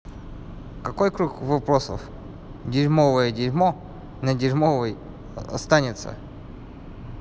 какой круг вопросов дерьмовое дерьмо на дерьмовой останется